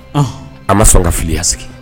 An ma sɔn an ka filiya sigi